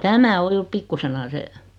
tämä on juuri pikkuisena se